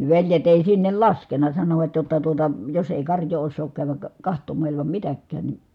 niin veljet ei sinne laskenut sanoivat jotta tuota jos ei karjaa osaa käydä katsomaan ilman mitäkään niin